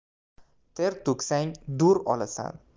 ter to'ksang dur olasan